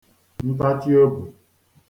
ntachiobù